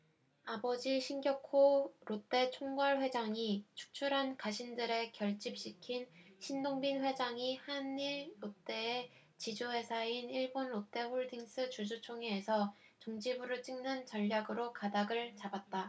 아버지 신격호 롯데 총괄회장이 축출한 가신들을 결집시킨 신동빈 회장이 한 일 롯데의 지주회사인 일본 롯데홀딩스 주주총회에서 종지부를 찍는 전략으로 가닥을 잡았다